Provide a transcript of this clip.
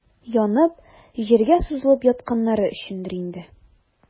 Янып, җиргә сузылып ятканнары өчендер инде.